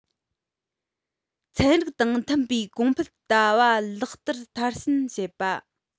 ཚན རིག དང མཐུན པའི གོང འཕེལ ལྟ བ ལག བསྟར མཐར ཕྱིན བྱེད པ དང